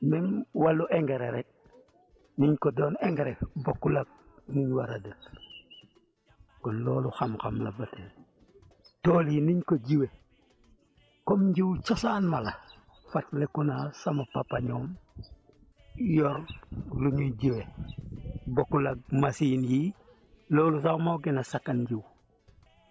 même wàllu engrais rek niñ ko doon engrais bokkul ak nim war a def kon loolu xam-xam la ba tey tool yi niñ ko jiwee comme njiw cosaan ma la fàttaleku naa sama papa ñoom yor lu ñuy jiwee bokkul ak machines yii loolu sax moo gën a sakkan njiw